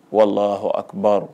Walaa oɔkbarw